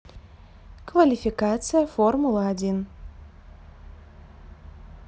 квалификация формула один